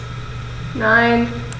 Nein.